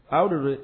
A o don dɛ